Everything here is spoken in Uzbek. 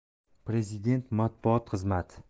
prezident matbuot xizmati